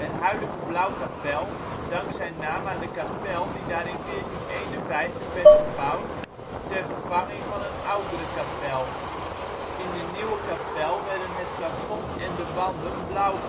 huidige Blauwkapel dankt zijn naam aan de kapel die daar in 1451 werd gebouwd ter vervanging van een oudere kapel. In de nieuwe kapel werden het plafond en de wanden blauw